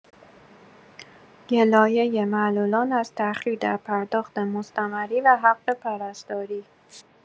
گلایه معلولان از تاخیر در پرداخت مستمری و حق پرستاری